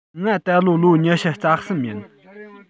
ང ད ལོ ལོ ཉི ཤུ རྩ གསུམ ཡིན